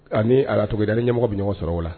Ani ala togoyida i ni ɲɛmɔgɔw bi ɲɔgɔn sɔrɔ o la